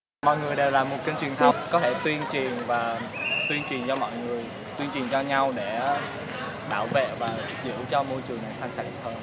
mọi người đều làm một kênh truyền thông có thể tuyên truyền tuyên truyền cho mọi người tuyên truyền cho nhau để bảo vệ và giữ cho môi trường xanh sạch hơn